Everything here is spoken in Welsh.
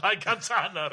Dau cant a hanner.